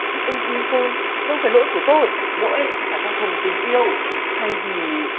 các em yêu tôi đâu phải lỗi của tôi lỗi là do thần tình yêu thay vì